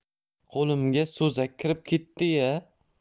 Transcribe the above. qo'limga so'zak kirib ketdi ya